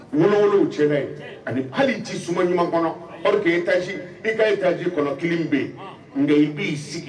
wolo wolo cɛ la yen ani palu tɛ suma ɲuman kɔnɔ or que étage i ka étage kɔnɔ clim bɛ yen, nka i b'i sigi